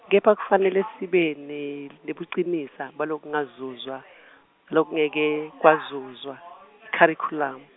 kepha kufanele sibe, ne- nebucinisa, balokungazuzwa, lokungekekwazuzwa, kharikhulamu.